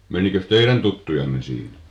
menikös teidän tuttujanne siinä